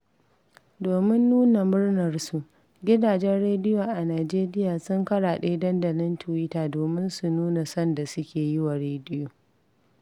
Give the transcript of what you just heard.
Domin nuna murnarsu, gidajen radiyo a Nijeriya sun karaɗe dandalin Tiwita domin su nuna son da suke yi wa rediyo: